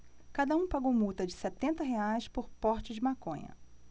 cada um pagou multa de setenta reais por porte de maconha